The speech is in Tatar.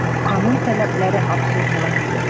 Канун таләпләре абсурдлы.